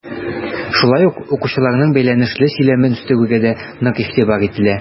Шулай ук укучыларның бәйләнешле сөйләмен үстерүгә дә нык игътибар ителә.